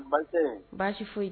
Baasi tɛ yen? Baasi fosi tɛ yen!